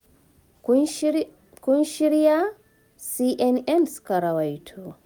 Kun shirya?” CNN suka ruwaito.